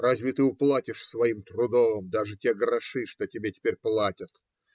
Разве ты уплатишь своим трудом даже те гроши, что тебе теперь платят?